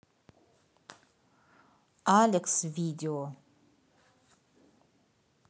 алекс видео